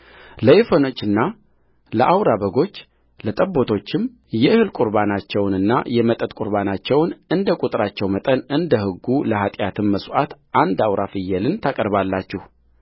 ለወይፈኖቹና ለአውራ በጎቹ ለጠቦቶቹም የእህል ቍርባናቸውንና የመጠጥ ቍርባናቸውን እንደ ቍጥራቸው መጠን እንደ ሕጉለኃጢአትም መሥዋዕት አንድ አውራ ፍየልን ታቀርባላችሁ